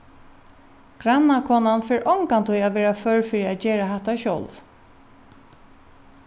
grannakonan fer ongantíð at verða før fyri at gera hatta sjálv